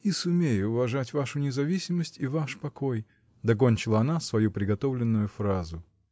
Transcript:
-- И сумею уважать вашу независимость и ваш покой, -- докончила она свою приготовленную фразу.